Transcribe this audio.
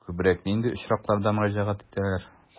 Күбрәк нинди очракларда мөрәҗәгать итәләр?